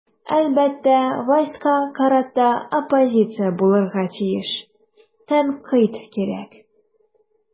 Әлбәттә, властька карата оппозиция булырга тиеш, тәнкыйть кирәк.